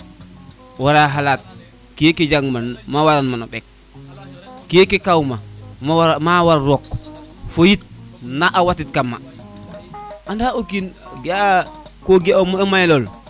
wara xalaat keke jang ma ma wara numo ɓek keke keke kaw ma ma waru rok foyit na watit kan ma anda o kinn ko ga mayo lo le